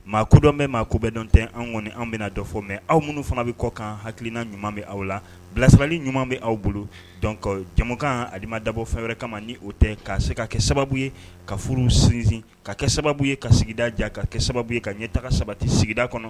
Maa kodɔnbɛn maa kobɛn dɔn tɛ anw kɔni an bɛna dɔ fɔ mɛ aw minnu fana bɛ kɔ kan hakiina ɲuman bɛ aw la bilasali ɲuman bɛ aw bolo jamukan alima dabɔ fɛn wɛrɛɛrɛ kama ni o tɛ ka se ka kɛ sababu ye ka furu sinsin ka kɛ sababu ye ka sigida jan ka kɛ sababu ye ka ɲɛ taga saba tɛ sigida kɔnɔ